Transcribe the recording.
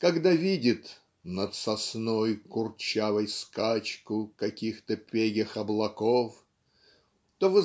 когда видит "над сосной курчавой скачку каких-то пегих облаков" то